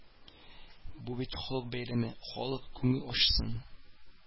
Бу бит халык бәйрәме, халык күңел ачсын